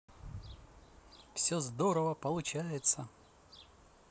все здорово получается